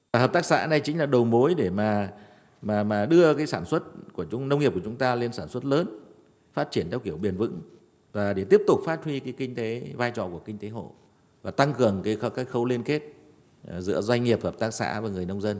và hợp tác xã này chính là đầu mối để mà mà mà đưa cái sản xuất của chúng nông nghiệp của chúng ta nên sản xuất lớn phát triển theo kiểu bền vững và để tiếp tục phát huy khi kinh tế vai trò của kinh tế hộ và tăng cường kể cả các khâu liên kết giữa doanh nghiệp hợp tác xã và người nông dân